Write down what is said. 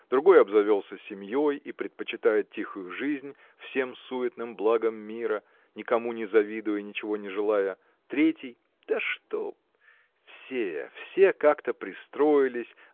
другой обзавелся семьей и предпочитает тихую жизнь всем суетным благам мира никому не завидуя ничего не желая третий. да что? все все как-то пристроились